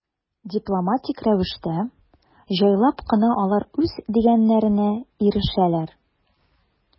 Дипломатик рәвештә, җайлап кына алар үз дигәннәренә ирешәләр.